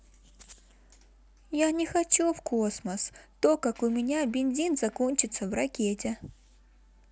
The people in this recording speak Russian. я не хочу в космос то как у меня бензин закончится в ракете